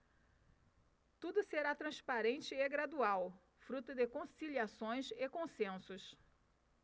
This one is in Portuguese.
tudo será transparente e gradual fruto de conciliações e consensos